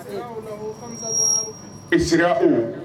I sira u